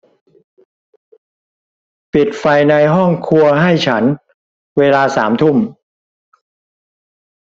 ปิดไฟในห้องครัวให้ฉันเวลาสามทุ่ม